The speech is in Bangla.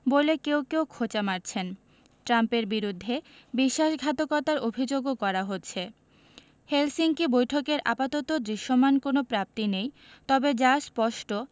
বলে কেউ কেউ খোঁচা মারছেন ট্রাম্পের বিরুদ্ধে বিশ্বাসঘাতকতার অভিযোগও করা হচ্ছে হেলসিঙ্কি বৈঠকের আপাতত দৃশ্যমান কোনো প্রাপ্তি নেই তবে যা স্পষ্ট